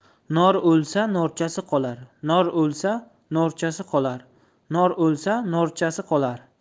nor o'lsa norchasi qolar